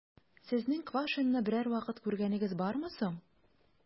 Сезнең Квашнинны берәр вакыт күргәнегез бармы соң?